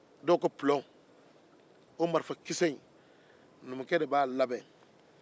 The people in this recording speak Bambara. dɔw ko pulɔn numukɛ de b'o marifakisɛin labɛn